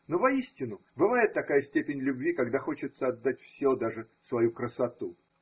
Но воистину бывает такая степень любви, когда хочется отдать все, даже свою красоту.